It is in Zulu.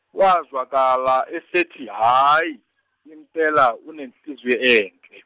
wezwakala esethi hhayi , impela unenhliziyo enhle.